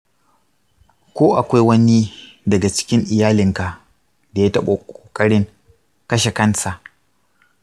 ko akwai wani daga cikin iyalinka da ya taɓa ƙoƙarin kashe kansa?